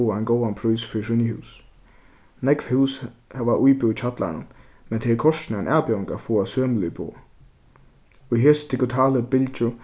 fáa ein góðan prís fyri síni hús nógv hús hava íbúð í kjallaranum men tað er kortini ein avbjóðing at fáa sømilig boð í hesi digitalu bylgju